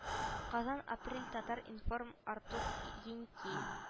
Казан апрель татар-информ артур еникеев